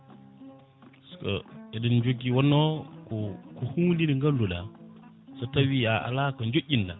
eɗen jogui wonno ko ko hunde nde ganduɗa so tawi a ala ko joƴƴinɗa